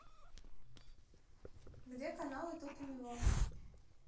где каналы тут у него